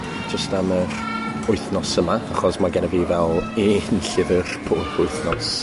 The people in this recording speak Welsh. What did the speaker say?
jyst am yr wythnos yma achos mae gennyf fi fel llyfyr pob wythnos